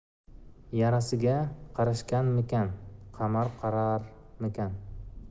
yarasiga qarashganmikan qamar qararmikan